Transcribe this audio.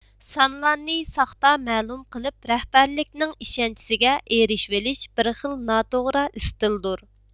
سانلارنى ساختا مەلۇم قىلىپ رەھبەرلىكنىڭ ئىشەنچىسىگە ئېرىشۋېلىش بىر خىل ناتوغرا ئىستىلدۇر